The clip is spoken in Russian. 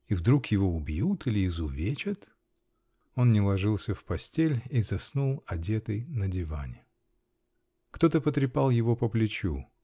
"И вдруг его убьют или изувечат?" Он не ложился в постель и заснул, одетый, на диване. Кто-то потрепал его по плечу.